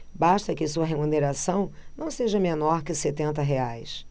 basta que sua remuneração não seja menor que setenta reais